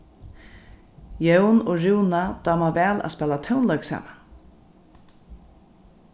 jón og rúna dáma væl at spæla tónleik saman